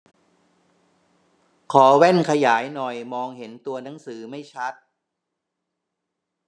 ขอแว่นขยายหน่อยมองเห็นตัวหนังสือไม่ชัด